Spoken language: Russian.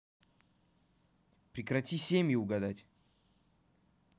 прекрати семьи угадать